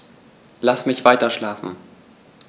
Lass mich weiterschlafen.